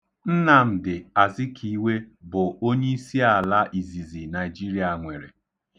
Nnamdị Azikiwe bụ onyiisiala izizi Naịjiria nwere.